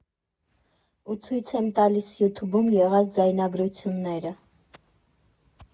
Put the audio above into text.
Ու ցույց եմ տալիս յութուբում եղած ձայնագրությունները»։